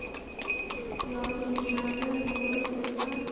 yolg'izginamni ko'rib o'lsam